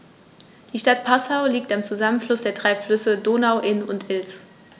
Die Stadt Passau liegt am Zusammenfluss der drei Flüsse Donau, Inn und Ilz.